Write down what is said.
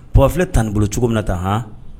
Pɔfi tan ni bolo cogo min na tanɔn